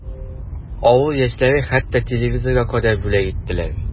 Авыл яшьләре хәтта телевизорга кадәр бүләк иттеләр.